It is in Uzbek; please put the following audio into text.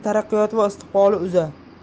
taraqqiyoti va istiqboli uza